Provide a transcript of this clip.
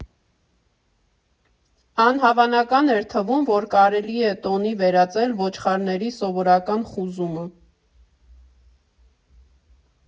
Անհավանական էր թվում, որ կարելի է տոնի վերածել ոչխարների սովորական խուզումը։